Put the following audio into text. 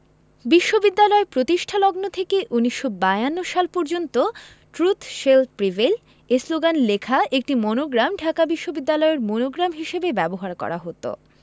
বিশ্ববিদ্যালয় প্রতিষ্ঠালগ্ন থেকে ১৯৫২ সাল পর্যন্ত ট্রুত শেল প্রিভেইল শ্লোগান লেখা একটি মনোগ্রাম ঢাকা বিশ্ববিদ্যালয়ের মনোগ্রাম হিসেবে ব্যবহার করা হতো